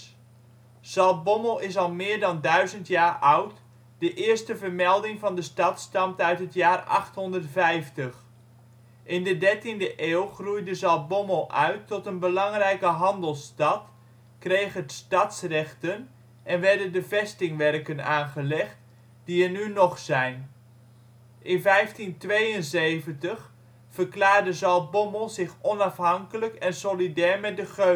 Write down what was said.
Zaltbommel is al meer dan duizend jaar oud, de eerste vermelding van de stad stamt uit het jaar 850. In de 13e eeuw groeide Zaltbommel uit tot een belangrijke handelsstad, kreeg het stadsrechten en werden de vestingwerken aangelegd, die er nu nog zijn. In 1572 verklaarde Zaltbommel zich onafhankelijk en solidair met de Geuzen